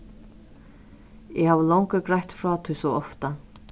eg havi longu greitt frá tí so ofta